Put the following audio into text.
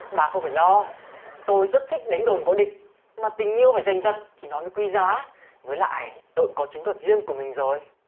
bà không phải lo tôi rất thích đánh đồn có địch mà tình yêu phải giành giật thì nó mới quý giá với lại tôi cũng có chiến thuật riêng của mình rồi